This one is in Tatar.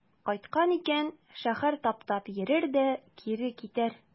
Кайткан икән, шәһәр таптап йөрер дә кире китәр.